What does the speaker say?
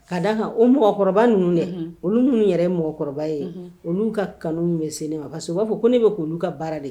Ka da kan o mɔgɔkɔrɔba ninnu dɛ unhun olu minnu yɛrɛ ye mɔgɔkɔrɔba ye unhun olu ka kanu min bɛ se ne ma parce que u b'a fɔ ko ko ne bɛ k'olu ka baara de